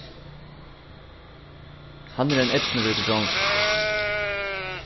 hann er ein eydnuríkur drongur